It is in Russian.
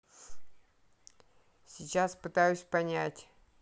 сейчас пытаюсь понять